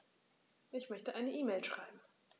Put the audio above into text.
Ich möchte eine E-Mail schreiben.